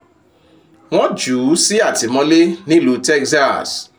Wọ́n jù ú sí àtìmọ́lé ní ìlú Texas.